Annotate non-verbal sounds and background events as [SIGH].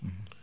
[HESITATION] [HESITATION]